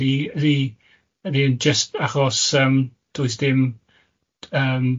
ydy ydy ydy jyst achos yym does dim yym